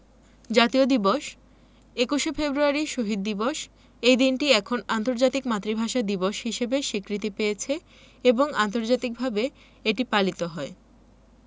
জাতীয় দিবসঃ ২১শে ফেব্রুয়ারি শহীদ দিবস এই দিনটি এখন আন্তর্জাতিক মাতৃভাষা দিবস হিসেবে স্বীকৃতি পেয়েছে এবং আন্তর্জাতিকভাবে এটি পালিত হয়